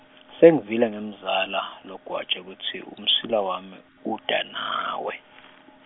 Sengivile ngemzala, logwaja kutsi, umsila wami, uta nawe.